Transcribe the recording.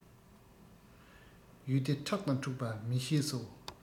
ཡུལ སྡེ ཁྲག ལྟར འཁྲུག པ མི ཤེས སོ